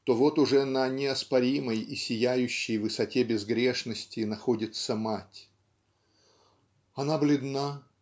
то вот уже на неоспоримой и сияющей высоте безгрешности находится мать Она бледна